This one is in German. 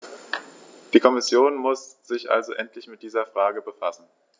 Die Kommission muss sich also endlich mit dieser Frage befassen.